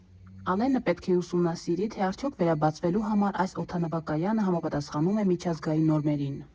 Ալենը պետք է ուսումնասիրի, թե արդյո՞ք վերաբացվելու համար այս օդանավակայանը համապատասխանում է միջազգային նորմերին։